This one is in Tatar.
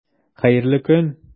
Хәерле көн!